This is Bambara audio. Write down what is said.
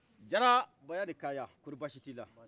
diara bayani kaya kɔri bachi tila